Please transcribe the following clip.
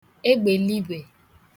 egbèeligwè